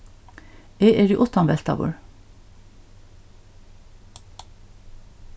eg eri uttanveltaður